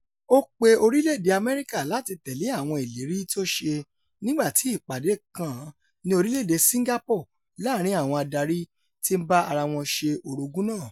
Ó pe orílẹ̀-èdè Àmẹ́ríkà láti tẹ̀lé àwọn ìlérí tí ó ṣe nígbà ìpàdé kan ní orílẹ̀-èdè Singapore láàrin àwọn adarí tí ńbá ara wọn ṣe orogún náà.